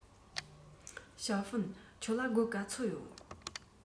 ཞའོ ཧྥང ཁྱོད ལ སྒོར ག ཚོད ཡོད